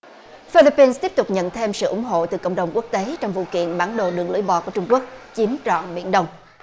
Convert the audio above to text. phi líp pin tiếp tục nhận thêm sự ủng hộ từ cộng đồng quốc tế trong phụ kiện bản đồ đường lưỡi bò của trung quốc chiếm trọn biển đông